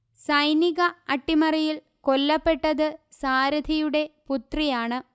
സൈനിക അട്ടിമറിയിൽ കൊല്ലപ്പെട്ടത് സാരഥിയുടെ പുത്രിയാണ്